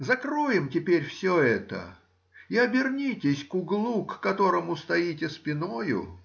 Закроем теперь все это, и обернитесь к углу, к которому стоите спиною